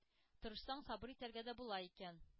Тырышсаң, сабыр итәргә дә була икән.